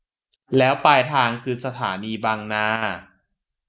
แล้วปลายทางคือสถานีบางนา